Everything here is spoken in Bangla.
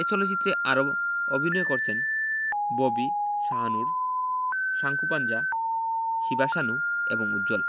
এ চলচ্চিত্রে আরও অভিনয় করছেন ববি শাহনূর সাঙ্কোপাঞ্জা শিবা সানু এবং উজ্জ্বল